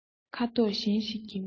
ཁ དོག གཞན ཞིག གི རྨི ལམ